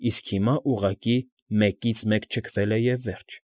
Իսկ հիմա ուղղակի մեկից֊մեկ չքվել է և վերջ։ ֊